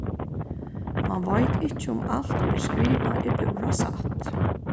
mann veit ikki um alt ið er skrivað er púra satt